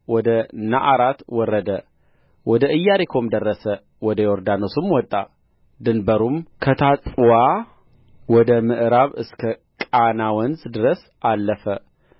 ወደ ነዓራት ወረደ ወደ ኢያሪኮም ደረሰ ወደ ዮርዳኖስም ወጣ ድንበሩም ከታጱዋ ወደ ምዕራብ እስከ ቃና ወንዝ ድረስ አለፈ